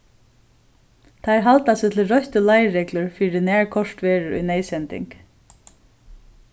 teir halda seg til røttu leiðreglur fyri nær koyrt verður í neyðsending